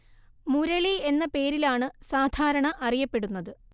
മുരളി എന്ന പേരിലാണ് സാധാരണ അറിയപ്പെടുന്നത്